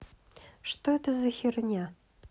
что это за херня